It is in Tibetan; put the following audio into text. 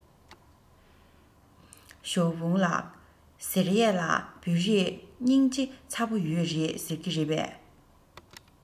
ཞའོ ཧྥུང ལགས ཟེར ཡས ལ བོད རིགས སྙིང རྗེ ཚ པོ ཡོད རེད ཟེར གྱིས རེད པས